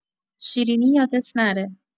شیرینی یادت نره